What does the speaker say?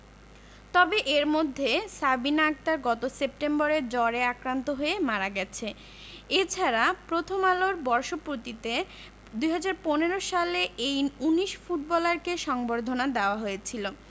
তবে এর মধ্যে সাবিনা আক্তার গত সেপ্টেম্বরে জ্বরে আক্রান্ত হয়ে মারা গেছে এ ছাড়া প্রথম আলোর বর্ষপূর্তিতে ২০১৫ সালে এই ১৯ ফুটবলারকে সংবর্ধনা দেওয়া হয়েছিল